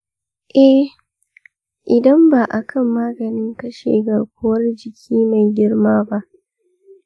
eh, idan ba a kan maganin kashe garkuwar jiki mai girma ba.